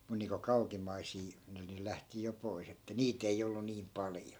minun niin kuin kauimmaisia niin ne lähti jo pois että niitä ei ollut niin paljon